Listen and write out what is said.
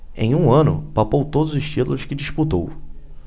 em um ano papou todos os títulos que disputou